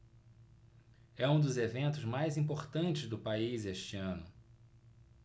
é um dos eventos mais importantes do país este ano